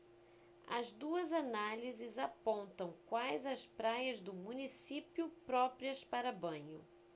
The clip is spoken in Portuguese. as duas análises apontam quais as praias do município próprias para banho